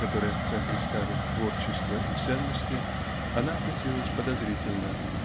которая в центре ставит творчество и ценности она относилась подозрительно